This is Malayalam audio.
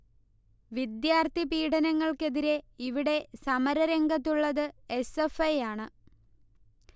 വിദ്യാർത്ഥി പീഡനങ്ങൾക്കെതിരെ ഇവിടെ സമര രംഗത്തുള്ളത് എസ്. എഫ്. ഐ യാണ്